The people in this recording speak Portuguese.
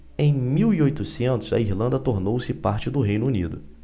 em mil e oitocentos a irlanda tornou-se parte do reino unido